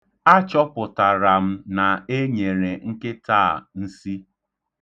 Achọpụtara m na e nyere nkịta a nsi.